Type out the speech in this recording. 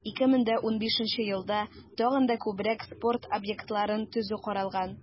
2015 елда тагын да күбрәк спорт объектларын төзү каралган.